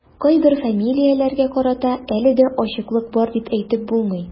Кайбер фамилияләргә карата әле дә ачыклык бар дип әйтеп булмый.